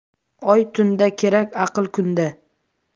oy tunda kerak aql kunda